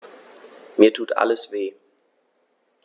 Mir tut alles weh.